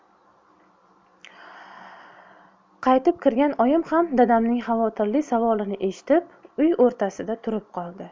qaytib kirgan oyim ham dadamning xavotirli savolini eshitib uy o'rtasida turib qoldi